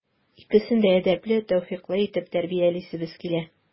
Икесен дә әдәпле, тәүфыйклы итеп тәрбиялисебез килә.